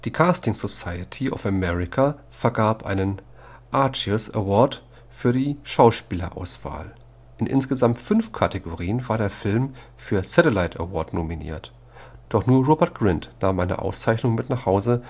Casting Society of America vergab einen Artios Awards für die Schauspielerauswahl. In insgesamt fünf Kategorien war der Film für Satellite Awards nominiert, doch nur Rupert Grint nahm eine Auszeichnung mit nach Hause